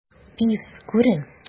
Пивз, күрен!